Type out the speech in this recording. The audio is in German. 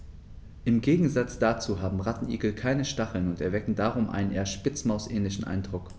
Im Gegensatz dazu haben Rattenigel keine Stacheln und erwecken darum einen eher Spitzmaus-ähnlichen Eindruck.